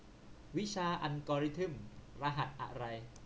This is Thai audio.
วิชาอัลกอริทึมรหัสอะไร